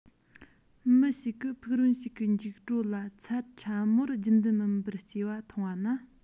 མི ཞིག གིས ཕུག རོན ཞིག གི མཇུག སྒྲོ ལ ཚད ཕྲ མོར རྒྱུན ལྡན མིན པར སྐྱེས པ མཐོང བ ན